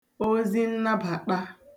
ozinnabàṭa